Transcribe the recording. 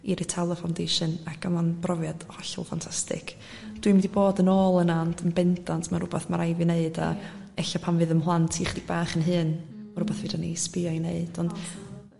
i'r Etala Foundation ac oddo'n brofiad hollal ffantastic dwi'm di bod yn ôl yna ond yn bendant ma'n rwbath ma rai' fi neud a ella pan fydd 'ym mhlant i chdig bach yn hŷn rwbath fedra ni sbio i neud ond